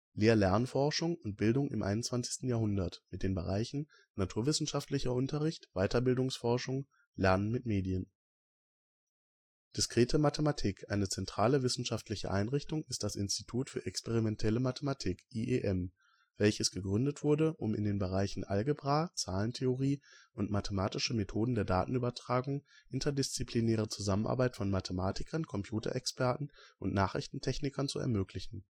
Lehr-Lern-Forschung und Bildung im 21. Jahrhundert (mit den Bereichen: Naturwissenschaftlicher Unterricht, Weiterbildungsforschung, Lernen mit Medien) Diskrete Mathematik: Eine zentrale wissenschaftliche Einrichtung ist das Institut für experimentelle Mathematik (IEM), welches gegründet wurde, um in den Bereichen Algebra, Zahlentheorie und Mathematische Methoden der Datenübertragung interdisziplinäre Zusammenarbeit von Mathematikern, Computerexperten und Nachrichtentechnikern zu ermöglichen